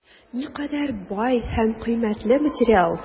Никадәр бай һәм кыйммәтле материал!